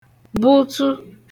bụtụ